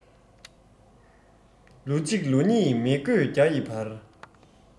ལོ གཅིག ལོ གཉིས མི དགོས བརྒྱ ཡི བར